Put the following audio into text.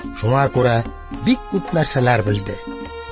Шуңа күрә бик күп нәрсәләр белде.